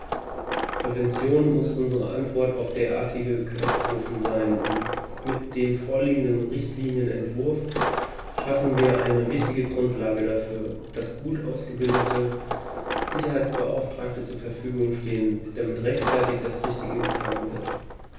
Prävention muss unsere Antwort auf derartige Katastrophen sein, und mit dem vorliegenden Richtlinienentwurf schaffen wir eine wichtige Grundlage dafür, dass gut ausgebildete Sicherheitsbeauftragte zur Verfügung stehen, damit rechtzeitig das Richtige getan wird.